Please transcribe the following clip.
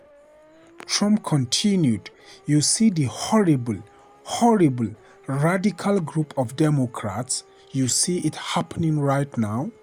Trump continued, "You see this horrible, horrible radical group of Democrats, you see it happening right now.